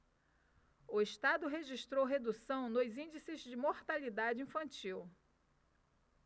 o estado registrou redução nos índices de mortalidade infantil